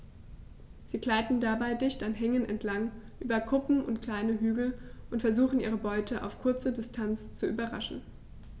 Sie gleiten dabei dicht an Hängen entlang, über Kuppen und kleine Hügel und versuchen ihre Beute auf kurze Distanz zu überraschen.